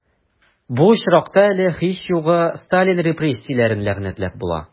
Бу очракта әле, һич югы, Сталин репрессияләрен ләгънәтләп була...